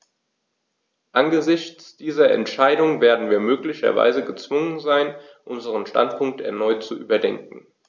Angesichts dieser Entscheidung werden wir möglicherweise gezwungen sein, unseren Standpunkt erneut zu überdenken.